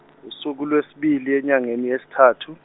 usuku lwesibili enyangeni yesithathu.